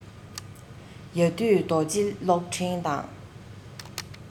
ཡ བདུད རྡོ རྗེ གློག ཕྲེང དང